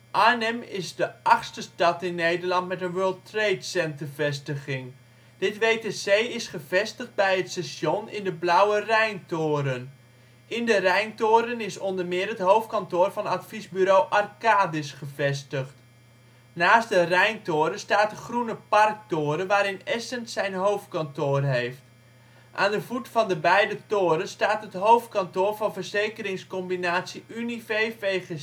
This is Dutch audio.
Arnhem is de achtste stad in Nederland met een World Trade Centre-vestiging. Dit WTC is gevestigd bij het station in de blauwe Rijntoren. In de Rijntoren is onder meer het hoofdkantoor van adviesbureau Arcadis gevestigd. Naast de Rijntoren staat de groene Parktoren waarin Essent zijn hoofdkantoor heeft. Aan de voet van de beide torens staat het hoofdkantoor van verzekeraarscombinatie